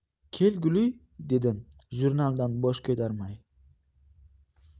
kel guli dedim jurnaldan bosh ko'tarmay